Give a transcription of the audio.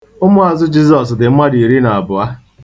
Ụmụazụ Jizos dị mmadụ iri na abụọ.